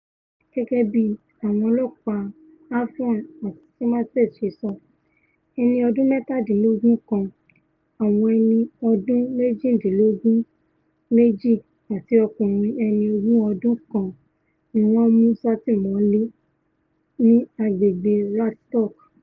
Gẹgẹ bíi àwọn Ọlọ́ọ̀pá Avon àti Somerset ṣe sọ, ẹni ọdún mẹ́tadínlógún kan, àwọn ẹni ọdún méjìdínlógún méji àti ọkùnrin ẹni ogún ọdún kan ní wọ́n mú ṣátìmọ́lé ní agbègbè Radstock.